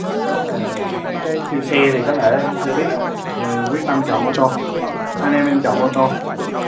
nếu mà mấy cái siêu xe thì có thể em sẽ biết á quyết tâm chọn ô tô hai anh em em chọn ô tô